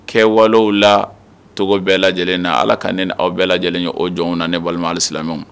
Kɛ waliw la cogo bɛɛ lajɛlen na, Ala ka ne aw bɛɛ lajɛlen ye o jɔn o na ne balima alisilamɛw.